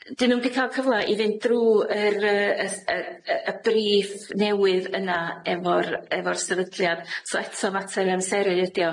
'Dyn nw'm 'di ca'l cyfla i fynd drw' yr yy y y y briff newydd yna efo'r efo'r sefydliad, so eto mater o amseru ydi o.